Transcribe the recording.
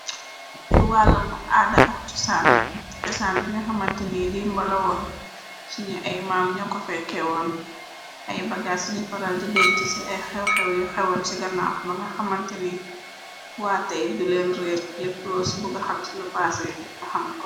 Yu wàllmu aada ak chosaan bi nga xamantini di mbalawoon suñu ay maam ño ko fe kewoon ay bagaas ci ñi paral di denc ci ay xew-xew yu xewoon ci ganaax ba nga xamantini waatey du leen reir lepplo cu buga xam cilu paase naxamoo.